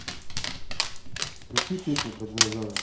включите песню про динозавриков